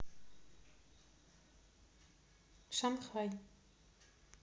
шанхай